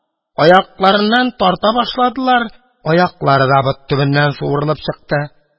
Аякларыннан тарта башладылар — аяклары да бот төбеннән суырылып чыкты.